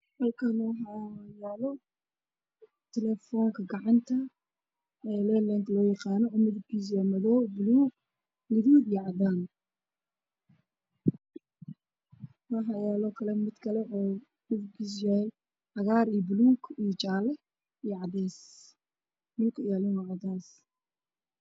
Halkaan waxaa yaalo taleefoonka gacanta oo leeleenka ah midabkiisu waa madow, buluug, gaduud iyo cadaan. Waxaa yaalo mid kaloo ah midabkiisu uu yahay cagaar, buluug, jaale iyo cadeys dhulka uu yaalo waa cadeys.